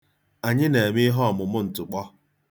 Anyị na-eme ihe ọmụmụ ntụkpọ.